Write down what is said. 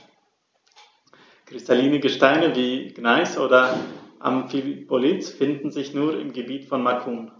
Kristalline Gesteine wie Gneis oder Amphibolit finden sich nur im Gebiet von Macun.